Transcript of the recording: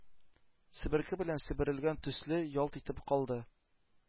Себерке белән себерелгән төсле, ялт итеп калды.